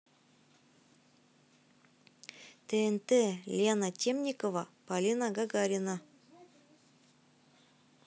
тнт лена темникова полина гагарина